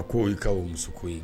A ko' ka muso ye